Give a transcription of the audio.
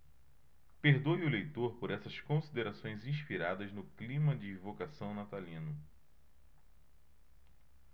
perdoe o leitor por essas considerações inspiradas no clima de evocação natalino